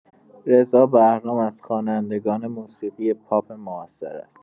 رضا بهرام از خوانندگان موسیقی پاپ معاصر است.